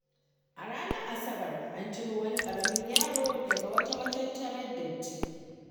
A ranar Asabar, an ciro wani ƙaramin yaro daga wata matattar datti.